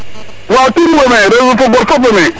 waaw tout owey me rewe fo goor fopa way men